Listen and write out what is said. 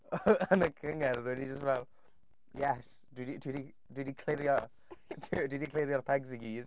Yn y cyngerdd o'n ni jyst fel yes! Dwi 'di dwi 'di dwi 'di clirio dwi dwi 'di clirio'r pegs i gyd.